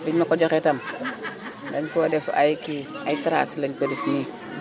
bi ñu ma ko joxee itam dañu ko def ay kii ay traces lañu ko def nii